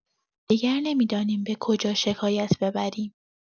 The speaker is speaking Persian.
دیگر نمی‌دانیم به کجا شکایت ببریم!